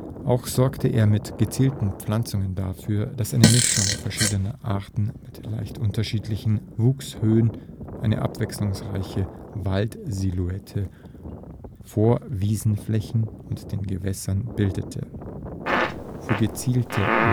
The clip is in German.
Auch sorgte er mit gezielten Pflanzungen dafür, dass eine Mischung verschiedener Arten mit leicht unterschiedlichen Wuchshöhen eine abwechselungsreiche Waldsilhouette vor Wiesenflächen und den Gewässern bildete. Für gezielte Landschaftseffekte